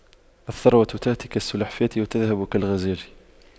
الثروة تأتي كالسلحفاة وتذهب كالغزال